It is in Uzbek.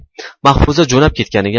mahfuza jo'nab ketganiga